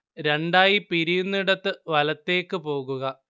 രണ്ടായി പിരിയുന്നയിടത്ത് വലത്തേക്ക് പോകുക